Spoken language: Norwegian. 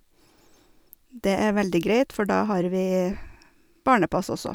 Det er veldig greit, for da har vi barnepass også.